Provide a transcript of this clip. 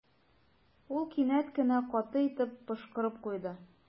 Ул кинәт кенә каты итеп пошкырып куйды.